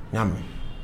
N y'a mɛn.